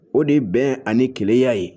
O de y bɛn ani kelenya ye